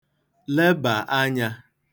lebà anyā